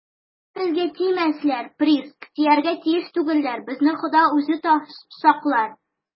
- алар безгә тимәсләр, приск, тияргә тиеш түгелләр, безне хода үзе саклар.